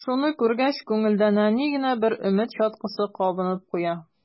Шуны күргәч, күңелдә нәни генә бер өмет чаткысы кабынып куя.